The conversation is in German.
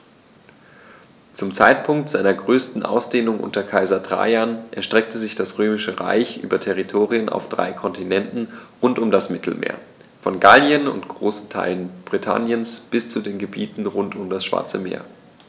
Zum Zeitpunkt seiner größten Ausdehnung unter Kaiser Trajan erstreckte sich das Römische Reich über Territorien auf drei Kontinenten rund um das Mittelmeer: Von Gallien und großen Teilen Britanniens bis zu den Gebieten rund um das Schwarze Meer.